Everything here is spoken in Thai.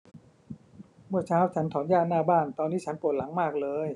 เมื่อเช้าฉันถอนหญ้าหน้าบ้านตอนนี้ฉันปวดหลังมากเลย